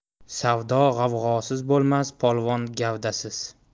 savdo g'avg'osiz bo'lmas polvon gavdasiz